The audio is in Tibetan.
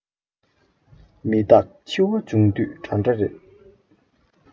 མི རྟག འཆི བ བྱུང དུས འདྲ འདྲ རེད